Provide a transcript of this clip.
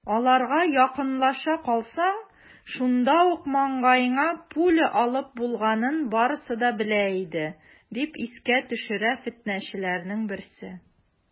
Аларга якынлаша калсаң, шунда ук маңгаеңа пуля алып булганын барысы да белә иде, - дип искә төшерә фетнәчеләрнең берсе.